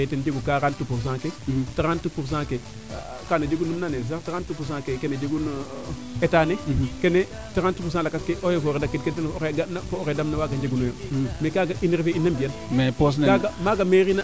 ten jegu quarante pourcent ke trente pourcent ke kaana jegun nama leyel sax trente pourcent kene jegun Etat ne kene trente pourcent lakas ke eaux et foret oxe ga na fo oxe damna waaga njeguno yo mais kaaga in refe ina mbiyan maaga mairie naa